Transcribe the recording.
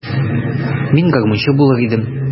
Мин гармунчы булыр идем.